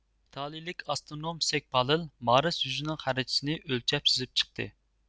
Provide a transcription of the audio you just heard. ئىتالىيىلىك ئاسترونوم سېگپالېل مارس يۈزىنىڭ خەرىتىسىنى ئۆلچەپ سىزىپ چىقتى